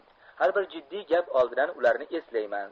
har bir jiddiy gap oldidan ularni eslayman